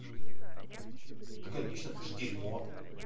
да конечно ты ж дерьмо